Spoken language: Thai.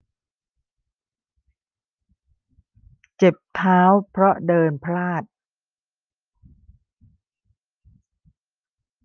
เจ็บเท้าเพราะเดินพลาด